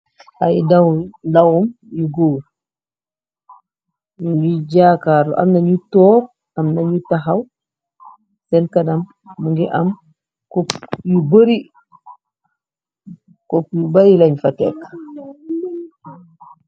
Ay dawam dawam yu goor, nyu ngi jaakaarlu, amnañu toog am nañu taxaw, seen kanam mu ngi am kok yu bari, kok yu bari lañ fa tekk.